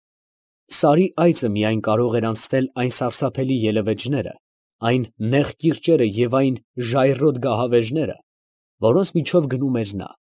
Սարի այծը միայն կարող էր անցնել այն սարսափելի ելևէջները, այն նեղ կիրճերը և այն ժայռոտ գահավեժները, որոնց միջով գնում էր նա։